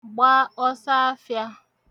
gba ọsọafịā